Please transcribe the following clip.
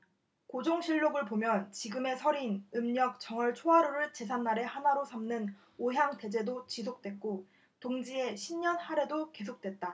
고종실록 을 보면 지금의 설인 음력 정월초하루를 제삿날의 하나로 삼는 오향대제도 지속됐고 동지의 신년하례도 계속됐다